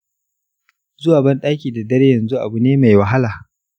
zuwa bandaki da dare yanzu abu ne mai wahala.